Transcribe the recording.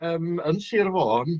yym yn Sir Fôn